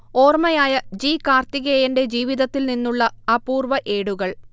ഓർമയായ G. കാർത്തികേയന്റെ ജീവിതത്തിൽ നിന്നുള്ള അപൂർവ്വഏടുകൾ